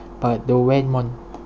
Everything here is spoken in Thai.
เปิดดูเวทมนต์